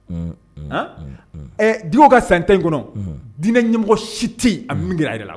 Un un un un han ɛ Dicko ka san 10 in kɔnɔ diinɛ ɲɛmɔgɔ si te ye a be min gɛrɛ a yɛrɛ la